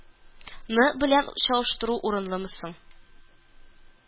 Ны белән чагыштыру урынлымы соң